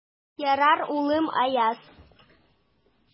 Ярар, улым, Аяз.